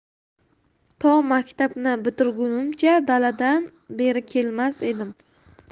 to maktabni bitirgunimcha daladan beri kelmas edim